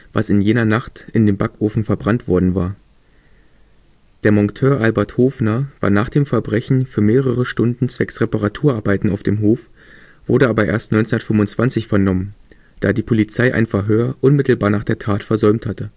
was in jener Nacht in dem Backofen verbrannt worden war. Der Monteur Albert Hofner war nach dem Verbrechen für mehrere Stunden zwecks Reparaturarbeiten auf dem Hof, wurde aber erst 1925 vernommen, da die Polizei ein Verhör unmittelbar nach der Tat versäumt hatte